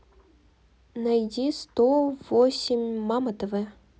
найди сто восемь мама тв